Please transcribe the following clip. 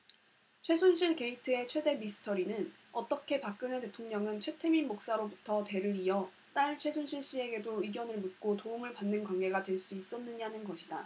최순실 게이트의 최대 미스터리는 어떻게 박근혜 대통령은 최태민 목사로부터 대를 이어 딸 최순실씨에게도 의견을 묻고 도움을 받는 관계가 될 수 있었느냐는 것이다